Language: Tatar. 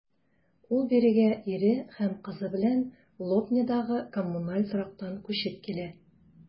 Ул бирегә ире һәм кызы белән Лобнядагы коммуналь торактан күчеп килә.